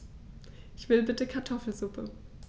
Ich will bitte Kartoffelsuppe.